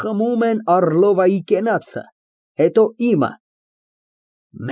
Խմում են Առլովայի կենացը, հետո իմը։